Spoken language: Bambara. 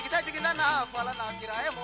Ki jiginna fɔ ala' a ye